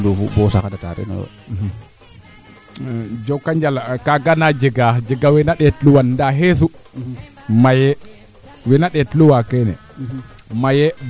a kom nu de leyonga ye o axo lene geeeken ndax o produire in mbaan bo fiyanoona ricu kino a jega maakum meen boo xaye